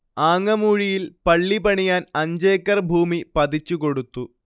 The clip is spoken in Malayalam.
ആങ്ങമൂഴിയിൽ പള്ളി പണിയാൻ അഞ്ചേക്കർ ഭൂമി പതിച്ചു കൊടുത്തു